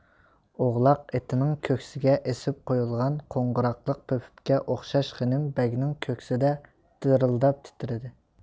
ئوغلاق ئېتىنىڭ كۆكسىگە ئېسىپ قويۇلغان قوڭغۇراقلىق پۆپۈككە ئوخشاش خېنىم بەگنىڭ كۆكسىدە دىرىلداپ تىترىدى